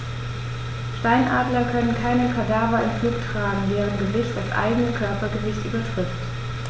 Steinadler können keine Kadaver im Flug tragen, deren Gewicht das eigene Körpergewicht übertrifft.